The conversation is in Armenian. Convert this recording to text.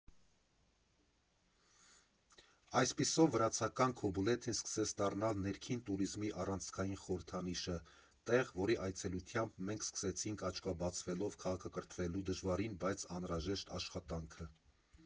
Այսպիսով վրացական Քոբուլեթին սկսեց դառնալ ներքին տուրիզմի առանցքային խորհրդանիշը, տեղ, որի այցելությամբ մենք սկսեցինք աչքաբացվելով քաղաքակրթվելու դժվարին, բայց անհրաժեշտ աշխատանքը։